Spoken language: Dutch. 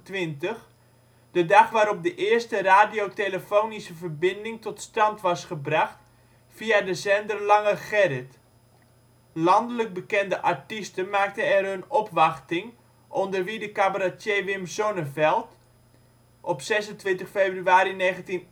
1928: de dag waarop de eerste radiotelefonische verbinding tot stand was gebracht via de zender ' Lange Gerrit '. Landelijk bekende artiesten maakten er hun opwachting, onder wie de cabaretier Wim Sonneveld (26 februari 1938